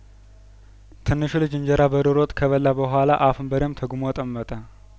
ትንሹ ልጅ እንጀራ በዶሮ ወጥ ከበላ በኋላ አፉን በደምብ ተጉመጠመጠ